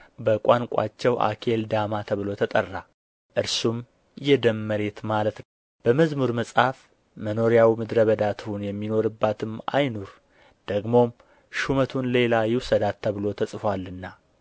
በቋንቋቸው አኬልዳማ ተብሎ ተጠራ እርሱም የደም መሬት ማለት ነው በመዝሙር መጽሐፍ መኖሪያው ምድረ በዳ ትሁን የሚኖርባትም አይኑር ደግሞም ሹመቱን ሌላ ይውሰዳት ተብሎ ተጽፎአልና